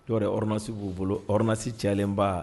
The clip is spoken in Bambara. Jɔ runasi b'u bolo rsi cɛlenba